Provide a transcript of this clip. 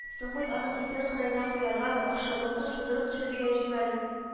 Соң бит аның өстәл кырыена куярга да, ашъяулыкны шудырып төшерергә җибәрерг